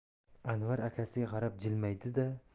anvar akasiga qarab jilmaydi da